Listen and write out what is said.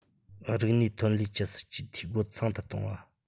རིག གནས ཐོན ལས ཀྱི སྲིད ཇུས འཐུས སྒོ ཚང དུ གཏོང བ